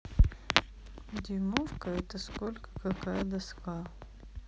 дюймовка это сколько какая доска